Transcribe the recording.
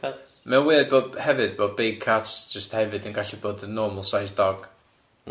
pet. Mae o'n weird bod hefyd bod big cats jyst hefyd yn gallu bod yn normal size dog... Hmm.